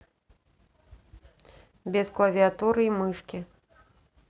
без клавиатуры и мышки